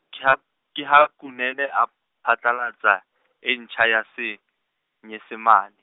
ke ha, ke ha Kunene a phatlallatsa, e ntjha ya Senyesemane.